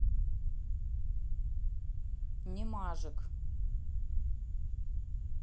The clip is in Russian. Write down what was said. не мажик